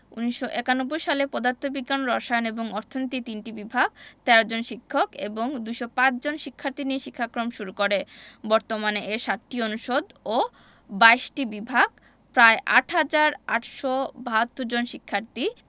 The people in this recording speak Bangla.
১৯৯১ সালে পদার্থ বিজ্ঞান রসায়ন এবং অর্থনীতি এ তিনটি বিভাগ ১৩ জন শিক্ষক এবং ২০৫ জন শিক্ষার্থী নিয়ে শিক্ষাক্রম শুরু করে বর্তমানে এর ৭টি অনুষদ ও ২২টি বিভাগ প্রায় ৮ হাজার ৮৭২ জন শিক্ষার্থী